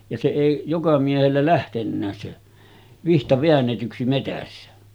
ja se ei joka miehellä lähtenytkään se vitsa väännetyksi metsässä